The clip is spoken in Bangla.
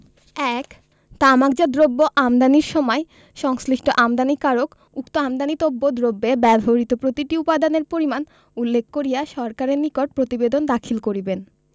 ১ তামাকজাত দ্রব্য আমদানির সময় সংশ্লিষ্ট আমদানিকারক উক্ত আমদানিতব্য দ্রব্যে ব্যবহৃত প্রতিটি উপাদানের পরিমাণ উল্লেখ করিয়া সরকারের নিকট প্রতিবেদন দাখিল করিবেন